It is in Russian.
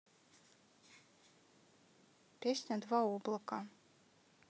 песня два облака